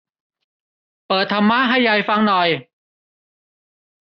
เปิดธรรมะให้ยายฟังหน่อย